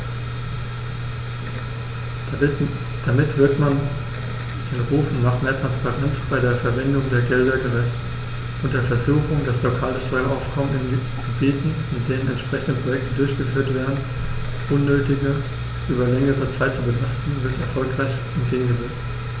Damit wird man den Rufen nach mehr Transparenz bei der Verwendung der Gelder gerecht, und der Versuchung, das lokale Steueraufkommen in Gebieten, in denen entsprechende Projekte durchgeführt werden, unnötig über längere Zeit zu belasten, wird erfolgreich entgegengewirkt.